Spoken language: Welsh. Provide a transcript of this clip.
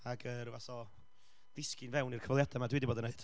Ac yy ryw fath o ddisgyn fewn i'r cyfweliadau 'ma dwi 'di bod yn wneud.